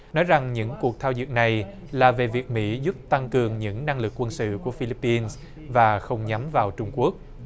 nói rằng những cuộc thao dượt này là về việc mỹ giúp tăng cường những năng lực quân sự của phi líp pin và không nhắm vào trung quốc